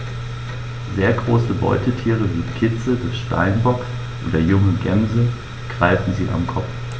Sehr große Beutetiere wie Kitze des Steinbocks oder junge Gämsen greifen sie am Kopf.